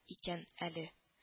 Икән әле